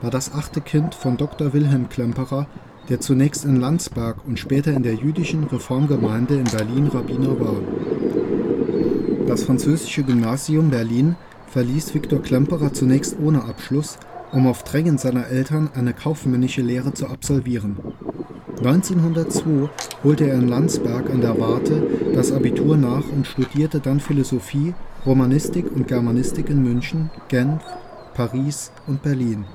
das achte Kind von Dr. Wilhelm Klemperer, der zunächst in Landsberg und später in der jüdischen Reformgemeinde in Berlin Rabbiner war. Das Französische Gymnasium Berlin verließ Victor Klemperer zunächst ohne Abschluss, um auf Drängen seiner Eltern eine kaufmännische Lehre zu absolvieren. 1902 holte er in Landsberg an der Warthe das Abitur nach und studierte dann Philosophie, Romanistik und Germanistik in München, Genf, Paris und Berlin